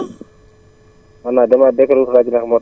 ah ***** baykat